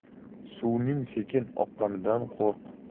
suvning sekin oqqanidan qo'rq